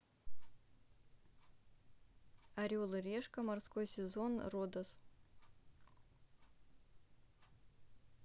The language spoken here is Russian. орел и решка морской сезон родос